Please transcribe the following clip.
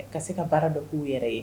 Ka se ka baara dɔ k'u yɛrɛ ye